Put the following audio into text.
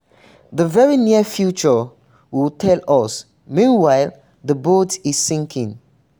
The very near future will tell us. Meanwhile, the boat is sinking.